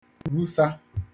rusa